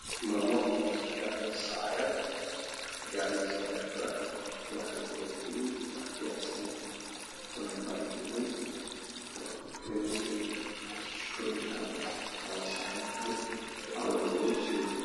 Maamo oo diyarinaysa sabayad wexey ku diyarineysa meel alwaxa alwaxana ow yahay gaduud bahalka ey haysana ow yahay bahal haduudan meshy ku dubayso burjiko ey talo tawlo saran tahy madow